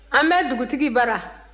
an bɛ dugutigi bara